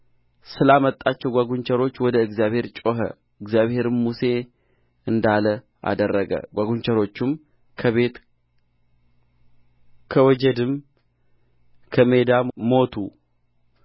ስላመጣቸው ጓጕንቸሮች ወደ እግዚአብሔር ጮኸ እግዚአብሔርም ሙሴ እንዳለ አደረገ ጓጕንቸሮቹም ከቤት ከወጀድም ከሜዳም ሞቱ